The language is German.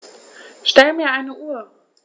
Stell mir eine Uhr.